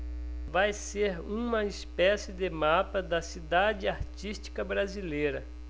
vai ser uma espécie de mapa da cidade artística brasileira